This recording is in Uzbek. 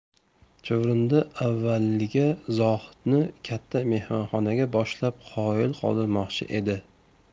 chuvrindi avvaliga zohidni katta mehmonxonaga boshlab qoyil qoldirmoqchi edi